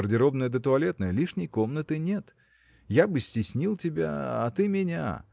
гардеробная да туалетная – лишней комнаты нет. Я бы стеснил тебя, а ты меня.